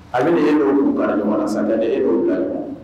A bɛ e y'o dugukara ɲɔgɔn sa e'o bila